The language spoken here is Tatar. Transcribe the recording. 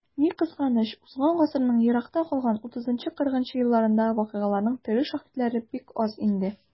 Ни кызганыч, узган гасырның еракта калган 30-40 нчы елларындагы вакыйгаларның тере шаһитлары бик аз инде.